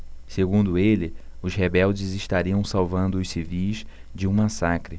segundo ele os rebeldes estariam salvando os civis de um massacre